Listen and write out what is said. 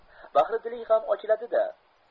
bahri diling ham ochiladi da